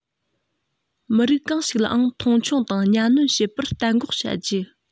མི རིགས གང ཞིག ལའང མཐོང ཆུང དང གཉའ གནོན བྱེད པར གཏན འགོག བྱ རྒྱུ